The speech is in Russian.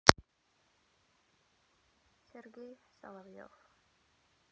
сергей соловьев